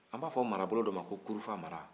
an b'a fɔ marabolo dɔ ma ko kurufa mara